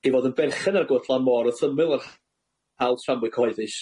ei fod yn berchen ar lan môr wrth yr h- hawl tramwy cyhoeddus.